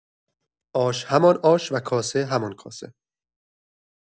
آش همان آش و کاسه همان کاسه